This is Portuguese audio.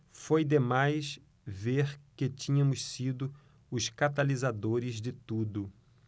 foi demais ver que tínhamos sido os catalisadores de tudo